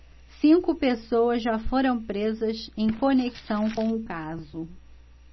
cinco pessoas já foram presas em conexão com o caso